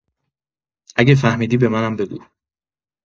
اگه فهمیدی به منم بگو.